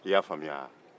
i y'a faamu ya wa